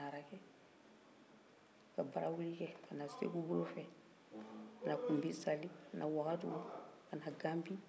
ka barawili kɛ ka na segu bolo fɛ ka na kumbi sale ka na wagadugu ka na ganbi i y'a mɛn